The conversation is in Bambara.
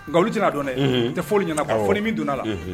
Nka olu j' dɔnɛ n tɛ foli ɲɛna foni min donna la